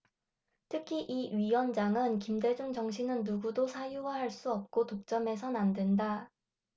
특히 이 위원장은 김대중 정신은 누구도 사유화 할 수 없고 독점해선 안 된다